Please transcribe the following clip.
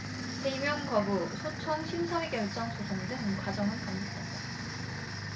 재임용 거부 소청 심사위 결정 소송 등 과정은 반복됐다